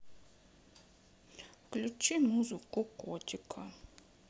включи музыку котика